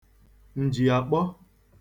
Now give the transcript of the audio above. ǹjìàkpọ